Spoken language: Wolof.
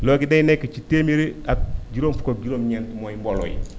léegi day nekk ci téeméeri ak juróom fukk ak juróom-ñeent mooy mbooloo yi